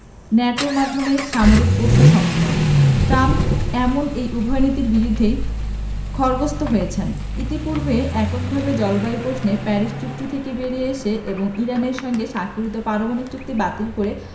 ন্যাটোর মাধ্যমে সামরিক প্রশ্নে সমন্বয় ট্রাম্প এখন এই উভয় নীতির বিরুদ্ধেই খড়গহস্ত হয়েছেন ইতিপূর্বে এককভাবে জলবায়ু প্রশ্নে প্যারিস চুক্তি থেকে বেরিয়ে এসে এবং ইরানের সঙ্গে স্বাক্ষরিত পারমাণবিক চুক্তি বাতিল করে